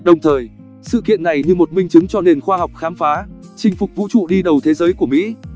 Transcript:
đồng thời sự kiện này như một minh chứng cho nền khoa học khám phá chinh phục vũ trụ đi đầu thế giới của mỹ